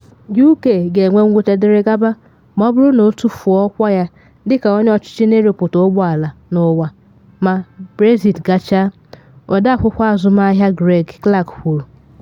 UK “ga-enwe nwute dịịrị gaba” ma ọ bụrụ na o tufuo ọkwa ya dị ka onye ọchịchị n’ịrụpụta ụgbọ ala n’ụwa ma Brexit gachaa, Ọde Akwụkwọ Azụmahịa Greg Clark kwuru.